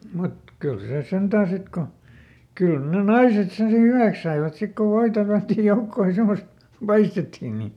mutta kyllä se sentään sitten kun kyllä ne naiset sen sitten hyväksi saivat sitten kun voita tällättiin joukkoon ja semmoista paistettiin niin mm